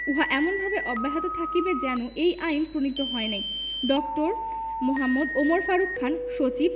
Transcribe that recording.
উহা এমনভাবে অব্যাহত থাকিবে যেন এই আইন প্রণীত হয় নাই ড. মে. ওমর ফারুক খান সচিব